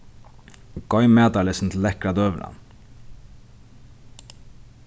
goym matarlystin til lekkra døgurðan